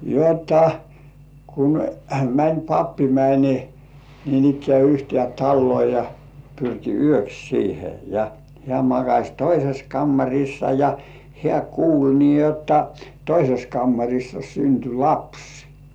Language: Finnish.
jotta kun meni pappi meni niinikään yhteen taloon ja pyrki yöksi siihen ja hän makasi toisessa kammarissa ja hän kuuli niin jotta toisessa kammarissa syntyi lapsi